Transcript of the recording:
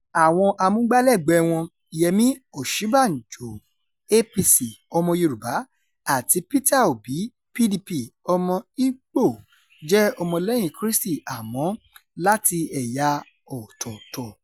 Àwọn amúgbálẹ́gbẹ̀ẹ́ wọn – Yẹmí Ọṣìńbàjò (APC), ọmọ Yoruba, àti Peter Obi (PDP), ọmọ Igbo, jẹ́ Ọmọ-lẹ́yìn-in-krístì — àmọ́ láti ẹ̀yà ọ̀tọ̀ọ̀tọ̀.